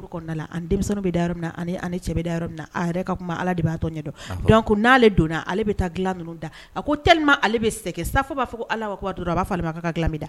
Da kuma de b'a ɲɛ ko n'ale donna ale bɛ taa ninnu da a ko teelima ale bɛ sɛgɛ sa b'a fɔ ko ala b'a b'a kami da